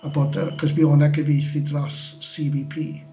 A bod y... achos mi oedd 'na gyfieithu dros CVP.